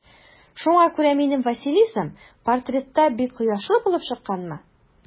Шуңа күрә минем Василисам портретта бик кояшлы булып чыкканмы?